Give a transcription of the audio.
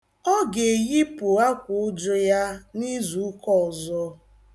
Ọ ga-eyipụ akawụjụ ya n'izuụka ọzọ.